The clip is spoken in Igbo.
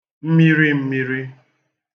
mmirimmīrī